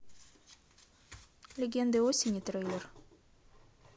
легенды осени трейлер